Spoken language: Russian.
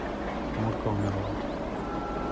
мурка умерла